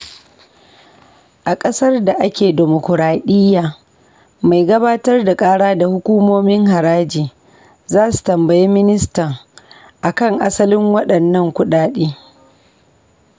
A ƙasar da ake demokoraɗiyya, mai gabatar da ƙara da hukumomin haraji za su tambayi ministan akan asalin waɗannan kuɗaɗe. pic.twitter.com/98809Ef1kM.